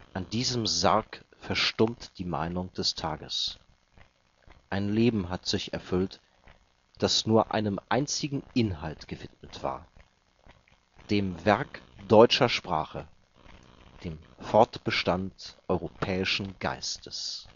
An diesem Sarg verstummt die Meinung des Tages. Ein Leben hat sich erfüllt, das nur einem einzigen Inhalt gewidmet war: dem Werk deutscher Sprache, dem Fortbestand europäischen Geistes